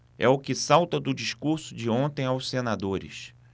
é o que salta do discurso de ontem aos senadores